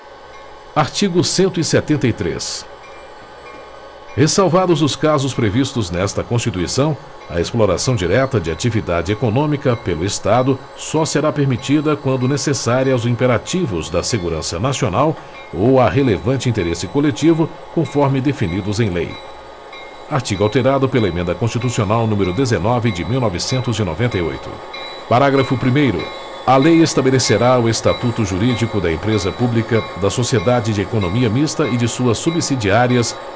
artigo cento e setenta e três ressalvados os casos previstos nesta constituição a exploração direta de atividade econômica pelo estado só será permitida quando necessária aos imperativos da segurança nacional ou a relevante interesse coletivo conforme definidos em lei artigo alterado pela emenda constitucional número dezenove de mil novecentos e noventa e oito parágrafo primeiro a lei estabelecerá o estatuto jurídico da empresa pública da sociedade de economia mista e de suas subsidiárias